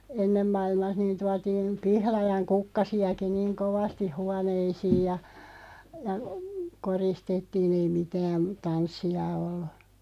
ennen maailmassa niin tuotiin pihlajan kukkasiakin niin kovasti huoneisiin ja ja koristettiin ei mitään tanssia ollut